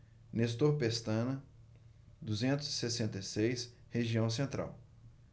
nestor pestana duzentos e sessenta e seis região central